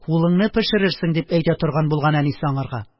Кулыңны пешерерсең» дип әйтә торган булган әнисе аңарга.